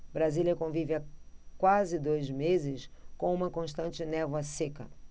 brasília convive há quase dois meses com uma constante névoa seca